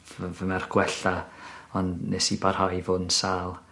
fy fy merch gwella ond nes i barhau i fod yn sâl.